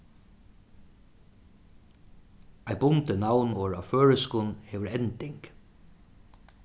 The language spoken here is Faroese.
eitt bundið navnorð á føroyskum hevur ending